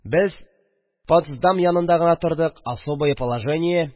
Без Потсдам янында гына тордык – особое положение